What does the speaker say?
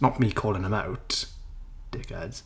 Not me calling 'em out. Dickheads.